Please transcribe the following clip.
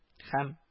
Һәм